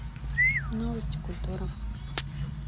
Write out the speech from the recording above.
новости культуры